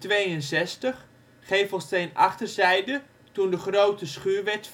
1750, in 1762 (gevelsteen achterzijde; toen de grote schuur werd